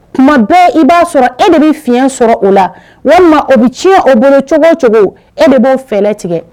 Tuma bɛɛ i b'a sɔrɔ e de bɛ fiɲɛ sɔrɔ o la ma o bɛ tiɲɛ o bolo cogo cogo e de b'o fɛlɛ tigɛ